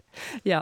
Ja.